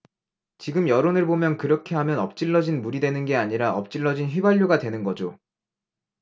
지금 여론을 보면 그렇게 하면 엎질러진 물이 되는 게 아니라 엎질러진 휘발유가 되는 거죠